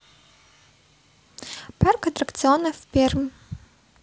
парк аттракционов пермь